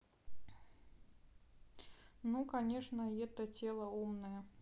ну конечно ето тело умная